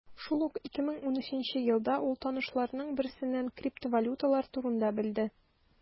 Шул ук 2013 елда ул танышларының берсеннән криптовалюталар турында белде.